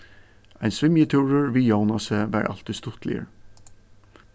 ein svimjitúrur við jónasi var altíð stuttligur